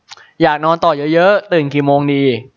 อยากนอนต่อเยอะเยอะตื่นกี่โมงดี